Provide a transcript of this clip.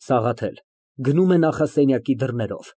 ՍԱՂԱԹԵԼ ֊ (Գնում է նախասենյակի դռնով)։